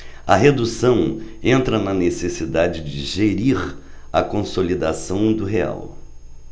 a redução entra na necessidade de gerir a consolidação do real